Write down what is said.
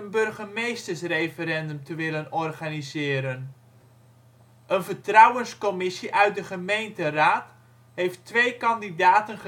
burgemeestersreferendum te willen organiseren. Een vertrouwenscommissie uit de gemeenteraad heeft twee kandidaten